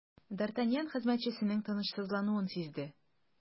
Д’Артаньян хезмәтчесенең тынычсызлануын сизде.